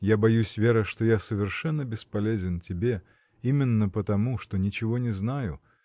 — Я боюсь, Вера, что я совершенно бесполезен тебе, именно потому, что ничего не знаю.